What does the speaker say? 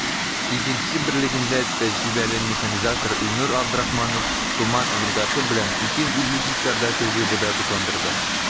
“игенче” берлегендә тәҗрибәле механизатор илнур абдрахманов “туман” агрегаты белән 250 гектарда көзге бодай тукландырды.